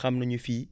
xam nañu fii